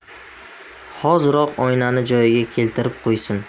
hoziroq oynani joyiga keltirib qo'ysin